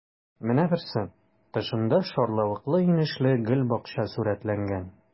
Менә берсе: тышында шарлавыклы-инешле гөлбакча сурәтләнгән.